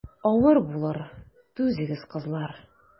Авыр булыр, түзегез, кызлар.